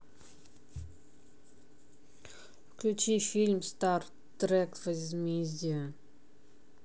включи фильм стартрек возмездие